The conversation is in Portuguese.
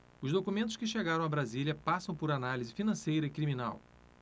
os documentos que chegaram a brasília passam por análise financeira e criminal